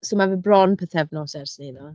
So ma' fe bron pythefnos ers o'n ni 'na.